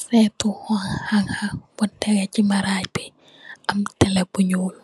Settu bu onghah bu tekgeh ci marrach be ham telebu null